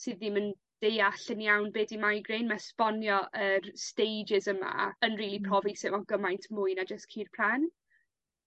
sy ddim yn deall yn iawn be' 'di migraine ma' esbonio yr stages yma yn rili profi sut ma' o'n gymaint mwy na jyst cur pren.